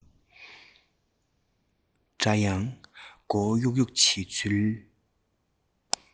འདྲ ཡང མགོ བོ གཡུག གཡུག བྱེད ཚུལ